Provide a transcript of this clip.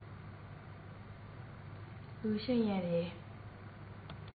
གྲོང དང གྲོང གསེབ ཏུ དུས ཁྱིམ ཐམས ཅད དང བགྲེས གཞོན ཀུན ཀྱང དུ ཀྱི སྔ ཕྱི རྩོད པ བཞིན ཚང མ ཕྱིར ལྷགས ཏེ